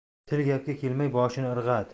tili gapga kelmay boshini irg'adi